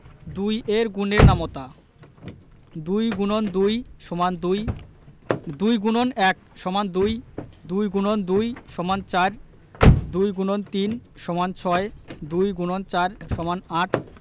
২ এর গুণের নামতা২ X ২ =২ ২ X ১ = ২ ২ X ২ = ৪ ২ X ৩ = ৬ ২ X ৪ = ৮